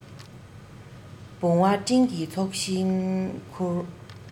བུང བ སྤྲིན གྱི ཚོགས བཞིན འཁོར